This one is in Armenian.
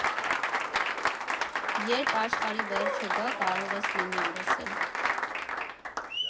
Երբ աշխարհի վերջը գա, կարող ես վինիլ լսել։